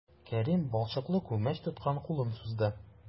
Кәрим балчыклы күмәч тоткан кулын сузды.